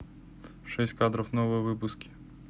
шесть кадров новые выпуски